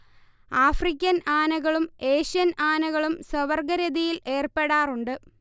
African ആനകളും Asian ആനകളും സ്വവർഗ്ഗരതിയിൽ ഏർപ്പെടാറുണ്ട്